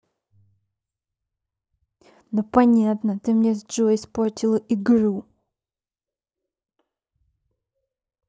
ну понятно ты мне с джой испортила игру